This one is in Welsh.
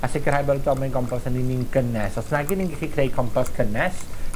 a sicirhau bod y domen gompos hynny'n un gynnes. Os nag 'yn ni'n gallu creu compos cynnes,